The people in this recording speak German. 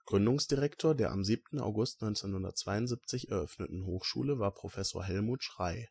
Gründungsdirektor der am 7. August 1972 eröffneten Hochschule war Professor Helmut Schrey